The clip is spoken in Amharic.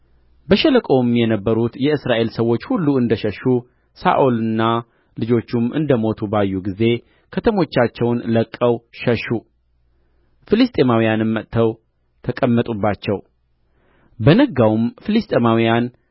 በሸለቆውም የነበሩት የእስራኤል ሰዎች ሁሉ እንደ ሸሹ ሳኦልና ልጆቹም እንደ ሞቱ ባዩ ጊዜ ከተሞቻቸውን ለቅቀው ሸሹ ፍልስጥኤማውያንም መጥተው ተቀመጡባቸው በነጋውም ፍልስጥኤማውያን